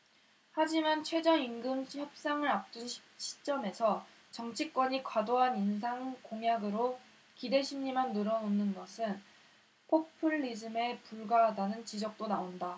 하지만 최저임금 협상을 앞둔 시점에서 정치권이 과도한 인상 공약으로 기대심리만 높여놓는 것은 포퓰리즘에 불과하다는 지적도 나온다